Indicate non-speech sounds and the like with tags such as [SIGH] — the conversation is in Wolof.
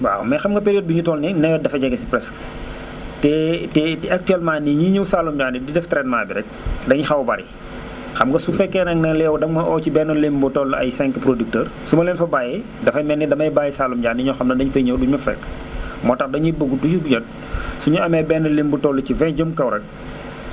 waaw mais xam nga période bi ñu toll nii nawet dafa jege si presque [NOISE] te te actuellement nii ñiy ñëw Saalum Diané di def traitement bi rek [NOISE] dañu xaw a bari [NOISE] xam nga su fekkee nag ne yow da nga ma woo si benn lim bu toll ay 5 producteurs su ma leen fa bàyyee dafay mel ni damay bàyyi Saalum Diané ñoo xam ne dañ fay ñëw duñ ma fa fekk [NOISE] moo tax dañuy bëgg toujours bu jot suénu amee benn lim bu toll si 20 jëm kaw rek [NOISE]